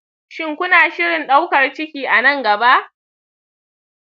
shin kuna shirin ɗaukar ciki a nan gaba?